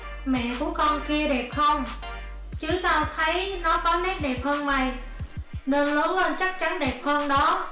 mẹ của con kia đẹp không chứ tao thấy nó có nét đẹp hơn mày nên lớn lên chắc chắn đẹp hơn đó